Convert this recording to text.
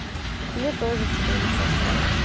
мне тоже тебя не хватает